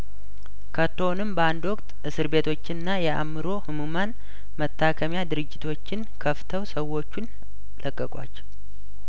ከቶውንም በአንድ ወቅት እስር ቤቶችና የአእምሮ ህሙማን መታከሚያ ድርጅቶችን ከፍተው ሰዎቹን ለቀቋቸው